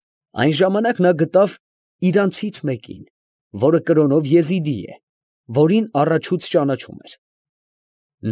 Այն ժամանակ նա գտավ «իրանցից» մեկին, որը կրոնով եզիդի է, որին առաջուց ճանաչել էր։